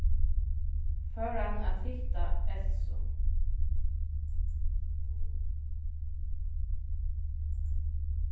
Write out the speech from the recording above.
fór hann at hitta elsu